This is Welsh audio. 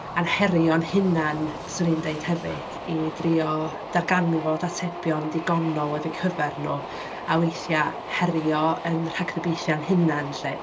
A'n herio'n hunan, 'swn i'n dweud hefyd, i drio darganfod atebion digonol ar eu cyfer nhw, a weithiau herio ein rhagdybiaethau ein hunan 'lly.